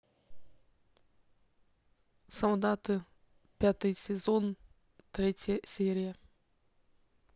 солдаты пятый сезон третья серия